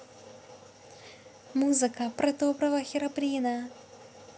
музыка про доброго херобрина